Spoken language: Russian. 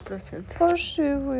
паршивые